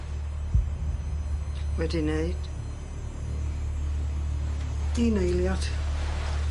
Wedi neud? Un eiliad.